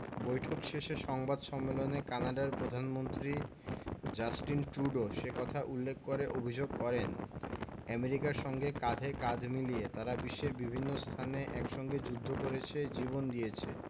বৈঠক শেষে সংবাদ সম্মেলনে কানাডার প্রধানমন্ত্রী জাস্টিন ট্রুডো সে কথা উল্লেখ করে অভিযোগ করেন আমেরিকার সঙ্গে কাঁধে কাঁধ মিলিয়ে তারা বিশ্বের বিভিন্ন স্থানে একসঙ্গে যুদ্ধ করেছে জীবন দিয়েছে